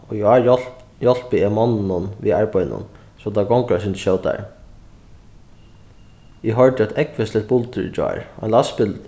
í ár hjálp hjálpi eg monnunum við arbeiðinum so tað gongur eitt sindur skjótari eg hoyrdi eitt ógvusligt buldur í gjár